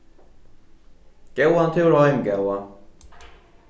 góðan túr heim góða